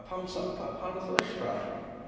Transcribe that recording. Pam 'sa... p- pam wnaeth o ddechrau?